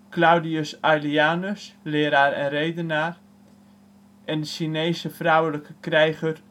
Claudius Aelianus, leraar en redenaar Sun Shang Xiang, Chinese vrouwelijke krijger